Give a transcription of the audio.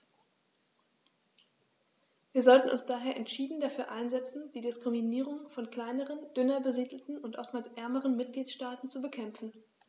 Wir sollten uns daher entschieden dafür einsetzen, die Diskriminierung von kleineren, dünner besiedelten und oftmals ärmeren Mitgliedstaaten zu bekämpfen.